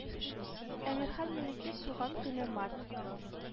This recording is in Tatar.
Әмирхан еники туган көне март